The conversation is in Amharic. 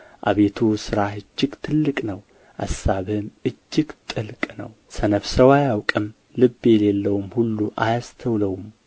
አቤቱ ሥራህ እጅግ ትልቅ ነው አሳብህም እጅግ ጥልቅ ነው ሰነፍ ሰው አያውቅም ልብ የሌለውም ይህን አያስተውለውም